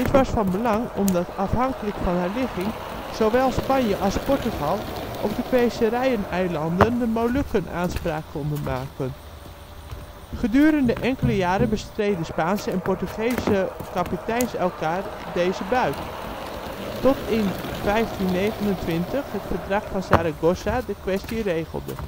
was van belang omdat afhankelijk van haar ligging, zowel Spanje als Portugal op de Specerijeneilanden (de Molukken) aanspraak konden maken. Gedurende enkele jaren bestreden Spaanse en Portugese kapiteins elkaar deze buit, tot in 1529 het verdrag van Zaragoza de kwestie regelde